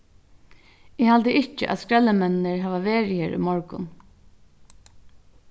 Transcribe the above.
eg haldi ikki at skrellimenninir hava verið her í morgun